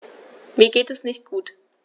Mir geht es nicht gut.